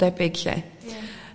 yn debyg 'llu